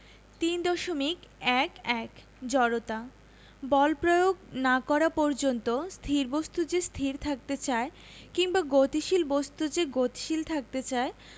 3.1.1 জড়তা বল প্রয়োগ না করা পর্যন্ত স্থির বস্তু যে স্থির থাকতে চায় কিংবা গতিশীল বস্তু যে গতিশীল থাকতে চায়